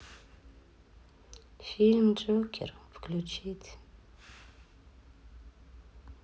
фильм джокер включить